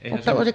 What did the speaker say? eihän se olisi